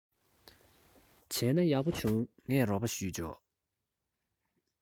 བྱས ན ཡག པོ བྱུང ངས རོགས པ བྱས ཆོག